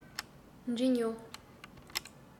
འདྲི མྱོང